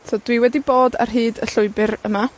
So dwi wedi bod ar hyd y llwybyr yma,